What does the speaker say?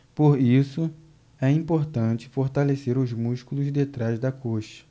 por isso é importante fortalecer os músculos de trás da coxa